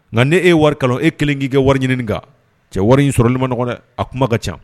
Nka ni e ye wari kalo, e kelen k'i kɛ wari ɲini kan , cɛ wari in sɔrɔli ima nɔgɔ dɛ, a kuma ka caa.